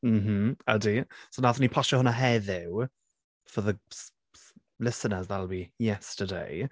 M-hm ydy. So wnaethon ni postio hwnna heddiw. For the s- s- listeners that'll be yesterday.